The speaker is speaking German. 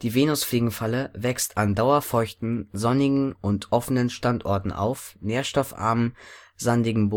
Venusfliegenfalle wächst an dauerfeuchten, sonnigen und offenen Standorten auf nährstoffarmem, sandigem